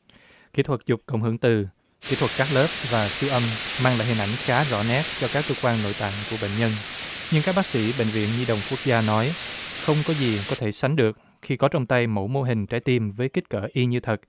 kỹ thuật chụp cộng hưởng từ kỹ thuật cắt lớp và siêu âm mang lại hình ảnh khá rõ nét cho các cơ quan nội tạng của bệnh nhân nhưng các bác sĩ bệnh viện nhi đồng quốc gia nói không có gì có thể sánh được khi có trong tay mẫu mô hình trái tim với kích cỡ y như thật